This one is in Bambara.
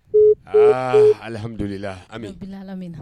Aa alhamidu lilaahi Ami rabbil aalamiina.